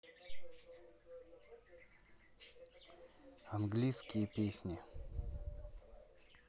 английские песни